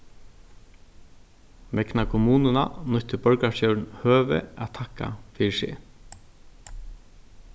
vegna kommununa nýtti borgarstjórin høvi at takka fyri seg